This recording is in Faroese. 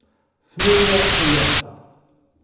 føða og løta